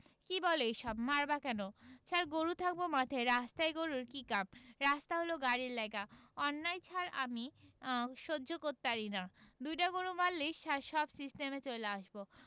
কী বলো এইসব মারবা কেন ছার গরু থাকবো মাঠে রাস্তায় গরুর কি কাম রাস্তা হইলো গাড়ির লাইগা অন্যায় ছার আমি সহ্য করতারিনা দুইডা গরু মারলেই ছার সব সিস্টামে চইলা আসবো